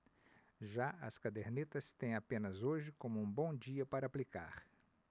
já as cadernetas têm apenas hoje como um bom dia para aplicar